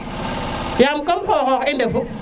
yam comme xoqoq i defu